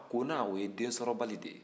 kona o ye densɔrɔbali de ye